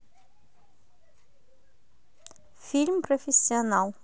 фильм профессионал